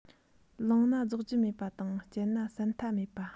བླངས ན རྫོགས རྒྱུ མེད པ དང སྤྱད ན ཟད མཐའ མེད པ